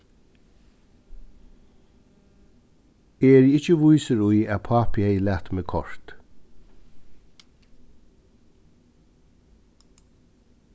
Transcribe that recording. eg eri ikki vísur í at pápi hevði latið meg koyrt